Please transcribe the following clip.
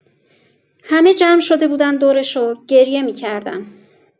همه جمع شده بودن دورش و گریه می‌کردن.